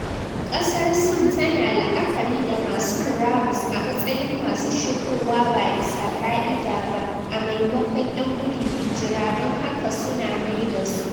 Kasar Sin ta na la'akari da masu murabus a matsayin masu shigowa ba bisa ka’ida ba a maimakon 'yan gudun hijira dan haka su na mai da su.